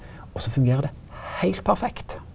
også fungerer det heilt perfekt.